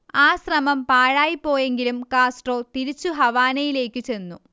ആ ശ്രമം പാഴായിപോയെങ്കിലും കാസ്ട്രോ തിരിച്ചു ഹവാനയിലേക്കു ചെന്നു